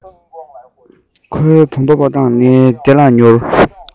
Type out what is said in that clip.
ཁོའི གོམ པ སྤོ སྟངས ནི བདེ ལ མྱུར